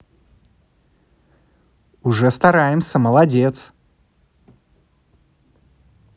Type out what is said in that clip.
уже стараемся молодец